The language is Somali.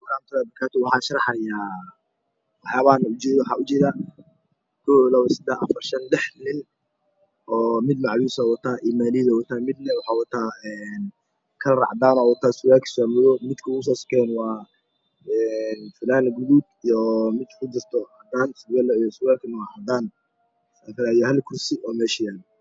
Halkan waxaa joogo laxnin dharka kalarka ey watan waa cadan iyo madow iyo gadud iyo cadan meshna wax yalo kursi